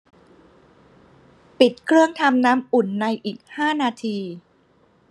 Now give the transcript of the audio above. ปิดเครื่องทำน้ำอุ่นในอีกห้านาที